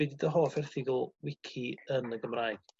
be' dI dy hoff erthigl Wici yn y Gymraeg?